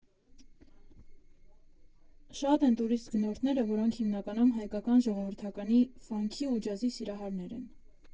Շատ են տուրիստ գնորդները, որոնք հիմնականում հայկական ժողովրդականի, ֆանքի ու ջազի սիրահարներ են։